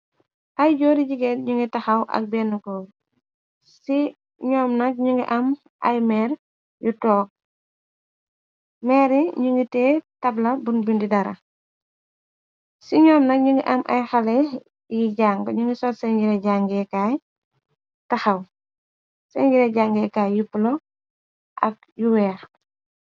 Ay joori jigéen ñu ngi taxaw ak benn koo ci ñoom nak ñu ngi am ay meer yu toog meeri ñu ngi te tabla bun bindi dara ci ñoom nag ñu ngi am ay xale yi jàng ñu ngi sol seeni yire jangekay taxaw seen yire jàngekaay yu bula ak lu weex.